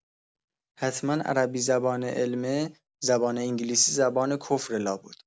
حتما عربی زبانه علمه، زبان انگلیسی‌زبان کفره لابد!